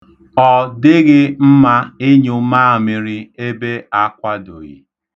Ọ dịghị mma ịnyụ maamịrị ebe a kwadoghị.